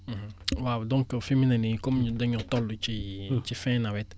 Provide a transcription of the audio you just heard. waaw donc fi mu ne nii comme dañoo toll ci ci fin nawet